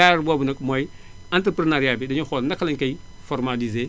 jaar boobu nag mooy entreprenariat bi dañuy xool naka lañu koy formalisé